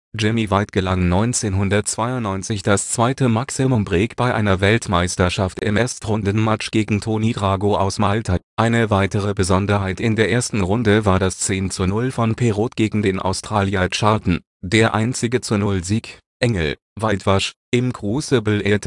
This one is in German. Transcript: Jimmy White gelang 1992 das zweite Maximum Break bei einer Weltmeisterschaft im Erstrundenmatch gegen Tony Drago aus Malta. Eine weitere Besonderheit in der ersten Runde war das 10:0 von Parrott gegen den Australier Charlton; der einzige Zu-null-Sieg (engl.: whitewash) im Crucible